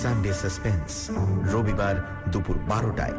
Sunday suspense রবিবার দুপুর ১২ টায়